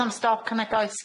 Am stoc yn nagoes?